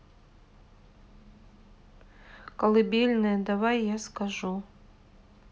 колыбельная давай я скажу